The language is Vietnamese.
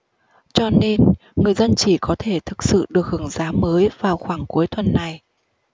cho nên người dân chỉ có thể thực sự được hưởng giá mới vào khoảng cuối tuần này